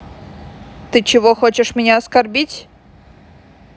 ты чего хочешь меня оскорбить